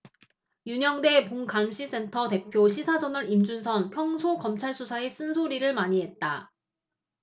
윤영대 본감시센터 대표 시사저널 임준선 평소 검찰수사에 쓴소리를 많이 했다